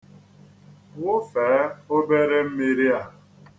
Wụfee obere mmiri a.